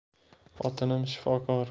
xotinim shifokor